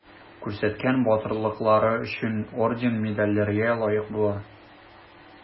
Күрсәткән батырлыклары өчен орден-медальләргә лаек була.